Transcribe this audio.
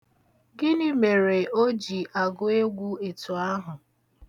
Gịnị mere o ji agụ egwu etu ahụ?